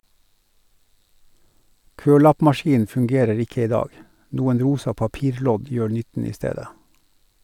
Kølappmaskinen fungerer ikke i dag ; noen rosa papirlodd gjør nytten i stedet.